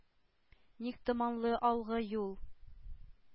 Ник томанлы алгы юл?